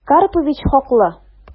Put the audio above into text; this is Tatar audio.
Карпович хаклы...